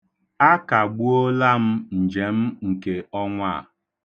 Akagbuola m njem nke ọnwa a.